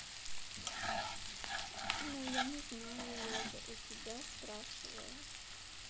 но я не знаю я же у тебя спрашиваю